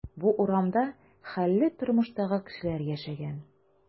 Бу урамда хәлле тормыштагы кешеләр яшәгән.